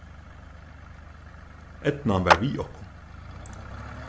eydnan var við okkum